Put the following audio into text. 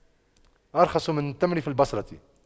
أرخص من التمر في البصرة